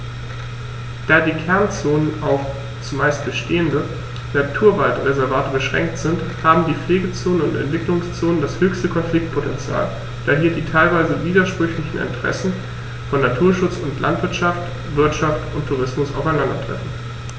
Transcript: Da die Kernzonen auf – zumeist bestehende – Naturwaldreservate beschränkt sind, haben die Pflegezonen und Entwicklungszonen das höchste Konfliktpotential, da hier die teilweise widersprüchlichen Interessen von Naturschutz und Landwirtschaft, Wirtschaft und Tourismus aufeinandertreffen.